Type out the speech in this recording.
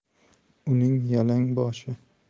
uning yalang boshi